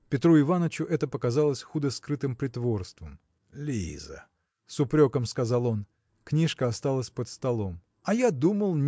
Петру Иванычу это показалось худо скрытым притворством. – Лиза!. – с упреком сказал он. Книжка осталась под столом. – А я думал